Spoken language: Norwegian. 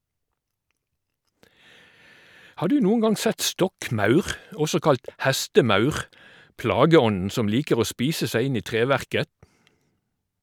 Har du noen gang sett stokkmaur, også kalt hestemaur, plageånden som liker å spise seg inn i treverket?